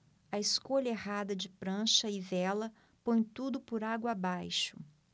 a escolha errada de prancha e vela põe tudo por água abaixo